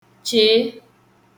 chèe